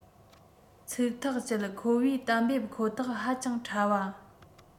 ཚིག ཐག བཅད ཁོ པའི གཏན འབེབས ཁོ ཐག ཧ ཅང ཕྲ བ